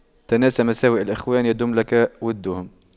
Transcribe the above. تناس مساوئ الإخوان يدم لك وُدُّهُمْ